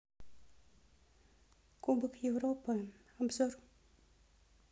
кубок европы обзор